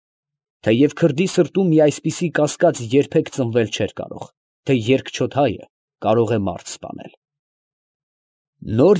Թեև քրդի սրտում մի այսպիսի կասկած երբեք ծնվել չէր կարող, թե երկչոտ հայը կարող է մարդ սպանել…։